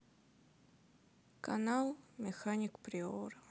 канал механик приора